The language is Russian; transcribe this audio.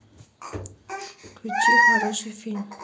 включи хороший фильм